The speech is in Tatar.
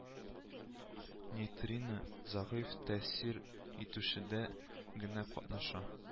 Нейтрино зәгыйфь тәэсир итешүдә генә катнаша